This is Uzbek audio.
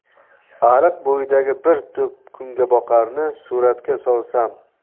ariq bo'yidagi bir tup kungaboqarni suratga solsam